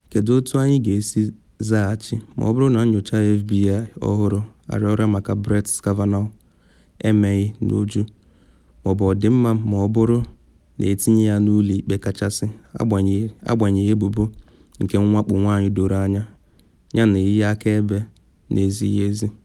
“Kedu otu anyị ga-esi zaghachi ma ọ bụrụ na nnyocha F.B.I ọhụrụ arịrịọ maka Brett Kavanaugh emeghị n’uju ma ọ bụ dị mma - ma ọ bụ ọ bụrụ na etinye ya na Ụlọ Ikpe Kachasị agbanyeghị ebubo nke nwakpo nwanyị doro anya yana ihe akaebe na ezighi ezi?